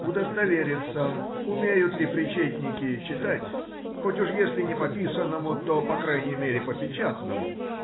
удостовериться, умеют ли причетники читать хоть уж если не по писаному, то по крайней мере по печатному.